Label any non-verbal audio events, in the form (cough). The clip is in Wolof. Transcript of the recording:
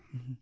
(hesitation) (hesitation)